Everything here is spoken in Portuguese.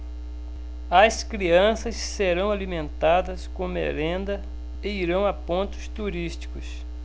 as crianças serão alimentadas com merenda e irão a pontos turísticos